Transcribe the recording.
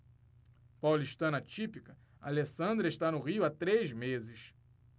paulistana típica alessandra está no rio há três meses